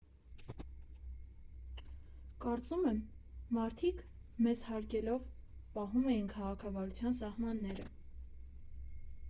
Կարծում եմ՝ մարդիկ՝ մեզ հարգելով, պահում էին քաղաքավարության սահմանները։